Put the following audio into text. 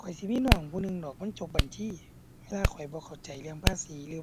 ข้อยสิมีน้องผู้หนึ่งดอกมันจบบัญชี ถ้าข้อยบ่เข้าใจเรื่องภาษี หรือ